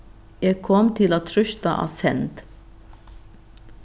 eg kom til at trýsta á send